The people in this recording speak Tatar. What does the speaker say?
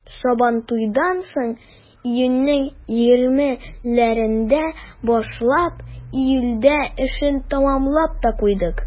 Сабантуйдан соң, июньнең 20-ләрендә башлап, июльдә эшне тәмамлап та куйдык.